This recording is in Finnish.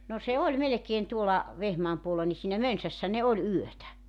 no se oli melkein tuolla Vehmaan puolella niin siinä Mönsässä ne oli yötä